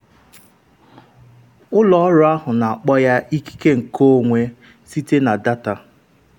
Ụlọ ọrụ ahụ na-akpọ ya “ikike nkeonwe site na data.”